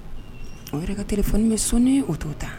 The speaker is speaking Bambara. O yɛrɛtɛ fɔ bɛ sɔnnen o to ta